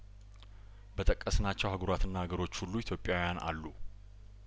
በጠቀስ ናቸው አህጉራትና አገሮች ሁሉ ኢትዮጵያውያን አሉ